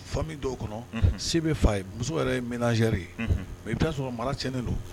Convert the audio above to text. Fa min dɔw kɔnɔ se bɛ fa a ye muso yɛrɛ ye minɛnri ye o sɔrɔ mana tinen don